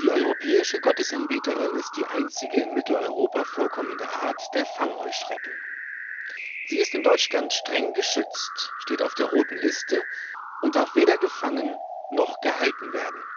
Europäische Gottesanbeterin ist die einzige in Mitteleuropa vorkommende Art der Fangheuschrecken. Sie ist in Deutschland streng geschützt (rote Liste) und darf weder gefangen noch gehalten werden